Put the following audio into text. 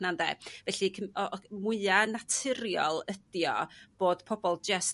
'na ynde? Felly mwya' naturiol ydi bod pobol jyst